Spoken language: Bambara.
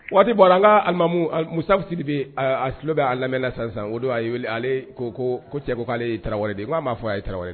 Waati bɔ an kalimamu musa si bi a tulolo bɛ a lamɛnla sisan o don a ye ale ko ko cɛ ko k'ale ye tarawelewale de ye ko' m'a fɔ a ye tarawele ye